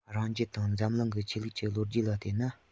རང རྒྱལ དང འཛམ གླིང གི ཆོས ལུགས ཀྱི ལོ རྒྱུས ལ བལྟས ན